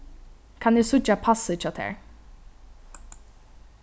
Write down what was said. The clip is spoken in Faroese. kann eg síggja passið hjá tær